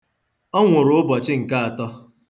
Ọ nwụrụ n'ụbọchị nke atọ.